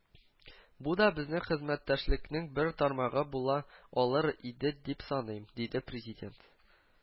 У да безнең хезмәттәшлекнең бер тармагы була алыр иде дип саныйм», - диде президент